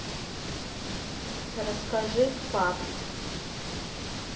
расскажи факт